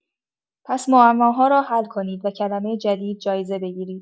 پس معماها را حل کنید و «کلمه جدید» جایزه بگیرید!